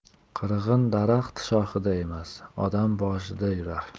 qirg'in daraxt shoxida emas odam boshida yurar